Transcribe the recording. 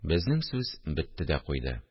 Безнең сүз бетте дә куйды